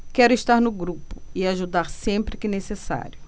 quero estar no grupo e ajudar sempre que necessário